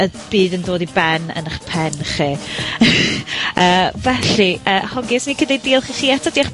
y byd yn dod i ben yn 'ych pen chi. Yy, felly, yy hogie 'swn i licio deud diolch i chi eto, diolch...